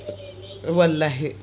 wallahi